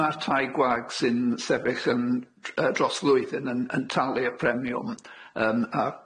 Ma'r tai gwag sy'n sefyll yn tr- yy dros flwyddyn yn yn talu y premiwm yym a